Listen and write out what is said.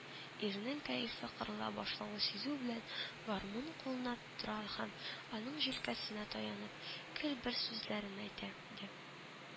Иренең кәефе кырыла башлавы сизү белән, гармунын кулына тоттыра һәм, аның җилкәсенә таянып, гел бер сүзләрен әйтә иде